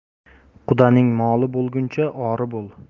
qudaning moli bo'lguncha ori bo'l